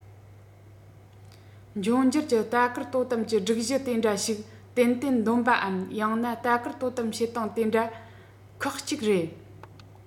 འབྱུང འགྱུར གྱི ལྟ སྐུལ དོ དམ གྱི སྒྲོམ གཞིའི དེ འདྲ ཞིག ཏན ཏན འདོན པའམ ཡང ན ལྟ སྐུལ དོ དམ བྱེད སྟངས དེ འདྲ ཁག གཅིག རེད